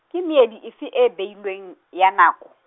ke meedi efe e beilweng, ya nako?